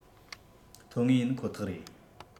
ཐོན ངེས ཡིན ཁོ ཐག རེད